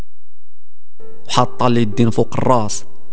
حط اليدين فوق الراس